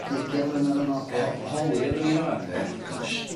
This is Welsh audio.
Ddeugian mlynadd yn ôl. Ie. Ho- holi oddwn i rŵan 'de... Gosh.